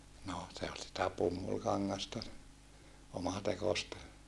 no se oli sitä pumpulikangasta omatekoista